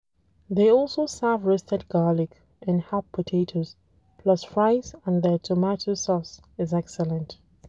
They also serve roasted garlic and herb potatoes, plus fries and their tomato sauce is excellent.